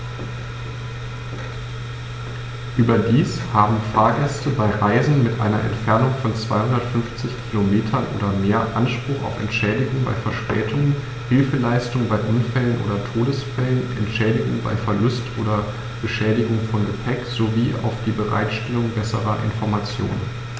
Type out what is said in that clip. Überdies haben Fahrgäste bei Reisen mit einer Entfernung von 250 km oder mehr Anspruch auf Entschädigung bei Verspätungen, Hilfeleistung bei Unfällen oder Todesfällen, Entschädigung bei Verlust oder Beschädigung von Gepäck, sowie auf die Bereitstellung besserer Informationen.